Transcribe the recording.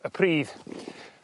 y pridd